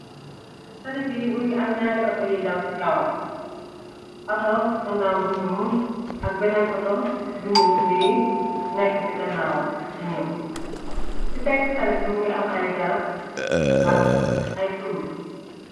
Tali bi më ngi am ñaari auto yiy daw ci kawam, auto bu ndaaw bu ñuul ak beneen auto bu ñuul bi nekk ci gannawam di ñëw. Ci pegg tali bi më ngi am ay garab ak ay punu.